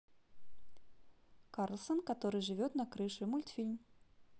карлсон который живет на крыше мультфильм